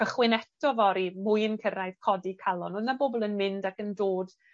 Cychwyn eto fory, mwy'n cyrraedd, codi calon. O' 'na bobol yn mynd ac yn dod